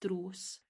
drws